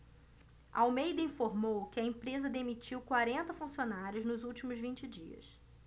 almeida informou que a empresa demitiu quarenta funcionários nos últimos vinte dias